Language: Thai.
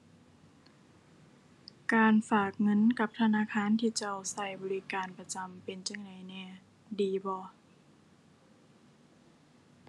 การฝากเงินกับธนาคารที่เจ้าใช้บริการประจำเป็นจั่งใดแหน่ ดีบ่